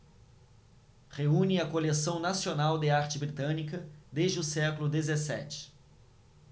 reúne a coleção nacional de arte britânica desde o século dezessete